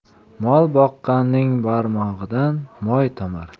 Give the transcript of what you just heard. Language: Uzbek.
mol boqqanning barmog'idan moy tomar